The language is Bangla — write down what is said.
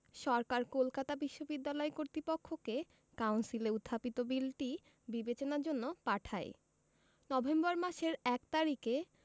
সরকার কলকাতা বিশ্ববিদ্যালয় কর্তৃপক্ষকে কাউন্সিলে উত্থাপিত বিলটি বিবেচনার জন্য পাঠায় নভেম্বর মাসের ১ তারিখে